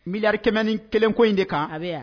Nbiliri kɛmɛ ni kelenko in de kan